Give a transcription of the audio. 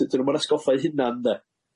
D- d- dyn nw'm yn atgoffa' eu hunan de?